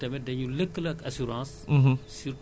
mais mën naa am loolu muy jënd daf ko jël ci banque